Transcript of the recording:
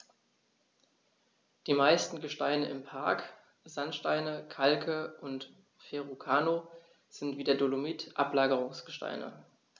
Die meisten Gesteine im Park – Sandsteine, Kalke und Verrucano – sind wie der Dolomit Ablagerungsgesteine.